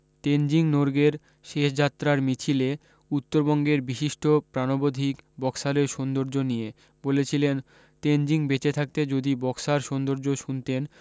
তেনজিং নোরগের শেষ যাত্রার মিছিলে উত্তরবঙ্গের বিশিষ্ট প্রানবধিক বক্সারের সৌন্দর্য নিয়ে বলেছিলেন তেনজিং বেঁচে থাকতে যদি বক্সার সৌন্দর্য শুনতেন